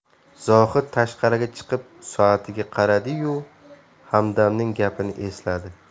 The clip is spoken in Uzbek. zohid tashqariga chiqib soatiga qaradi yu hamdamning gapini esladi